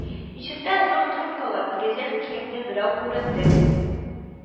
Ишектән зур трубкалы, брезент киемле берәү күренде: